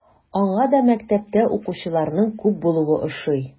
Аңа да мәктәптә укучыларның күп булуы ошый.